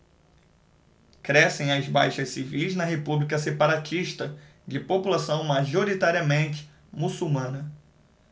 crescem as baixas civis na república separatista de população majoritariamente muçulmana